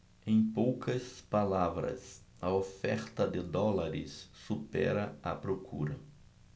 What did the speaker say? em poucas palavras a oferta de dólares supera a procura